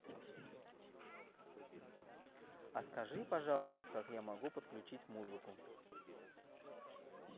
а скажи пожалуйста как я могу подключить музыку